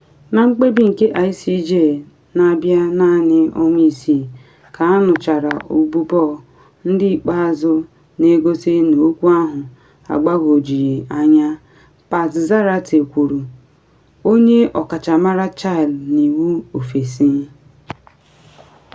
Na mkpebi nke ICJ na abịa naanị ọnwa isii ka anụchara ụbụbọ ndị ikpeazụ na egosi na okwu ahụ “agbagwojughi anya,” Paz Zárate kwuru, onye ọkachamara Chile n’iwu ofesi.